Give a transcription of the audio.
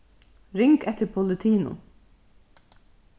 ring eftir politinum